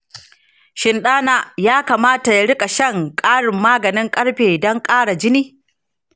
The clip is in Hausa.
shin ɗana ya kamata ya riƙa shan ƙarin maganin ƙarfe don ƙara jini?